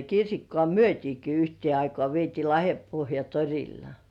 kirsikkaa myytiinkin yhteen aikaan vietiin Lahdenpohjan torilla